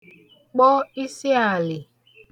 kpọ isiàlị̀